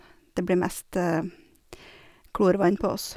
Det blir mest klorvann på oss.